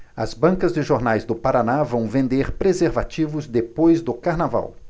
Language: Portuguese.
as bancas de jornais do paraná vão vender preservativos depois do carnaval